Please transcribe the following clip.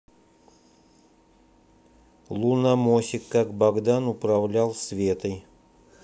луномосик как богдан управлял светой